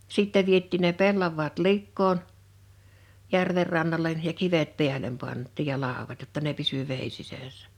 sitten vietiin ne pellavat likoon järven rannalle ja kivet päälle pantiin ja laudat jotta ne pysyi veden sisässä